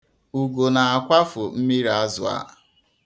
Ugo na-akwafu mmiri azụ a.